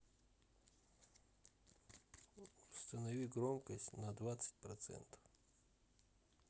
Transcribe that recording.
установи громкость на двадцать процентов